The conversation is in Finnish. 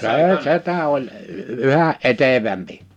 se setä oli yhä etevämpi